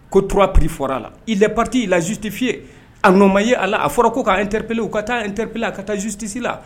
Ko trois prix fɔra la il est parti, il a justifié a nɔn ma ye a la, a fɔra ko k'a interpeller u ka taa interpeller a ka taa justice la.